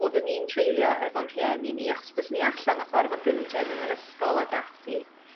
oddwn i'n treulio efo'n rhieni ni achos bysa ni allan yn chware 'fo ffrindie ne' yn yr ysgol ag ati.